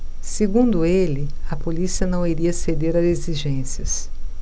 segundo ele a polícia não iria ceder a exigências